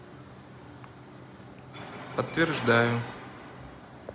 подтверждаю